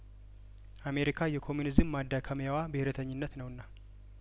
አሜሪካ የኮሚኒዝም ማዳከሚያዋ ብሄረተኝነት ነውና